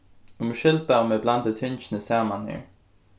umskylda um eg blandi tingini saman her